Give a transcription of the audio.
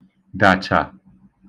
dàchà